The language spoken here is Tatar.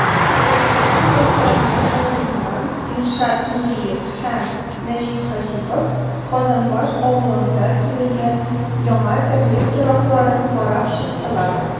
Ярышлар башланыр алдыннан Илшат Нуриев һәм Нәҗип Хаҗипов Казанбаш авылында төзелгән яңа терлек торакларын карап чыктылар.